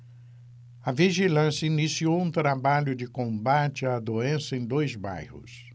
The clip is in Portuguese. a vigilância iniciou um trabalho de combate à doença em dois bairros